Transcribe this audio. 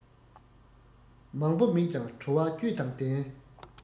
མང པོ མེད ཀྱང བྲོ བ བཅུད དང ལྡན